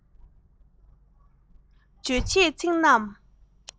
རྗོད བྱེད ཚིག ཉམས